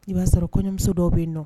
I b'a sɔrɔ kɔɲɔmuso dɔw bɛ yen nɔ